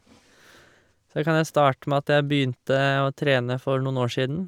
Så da kan jeg starte med at jeg begynte å trene for noen år siden.